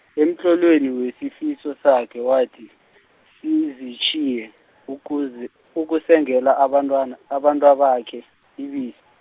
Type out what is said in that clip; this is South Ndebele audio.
emtlolweni wesifiso sakhe wathi, sizitjhiye, ukuze, ukusengela abantwana, abantwa- bakhe, ibisi.